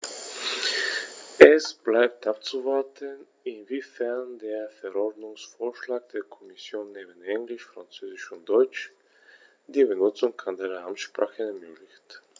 Es bleibt abzuwarten, inwiefern der Verordnungsvorschlag der Kommission neben Englisch, Französisch und Deutsch die Benutzung anderer Amtssprachen ermöglicht.